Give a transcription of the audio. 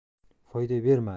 foyda bermadi